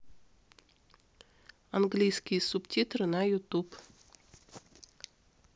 английские субтитры на ютуб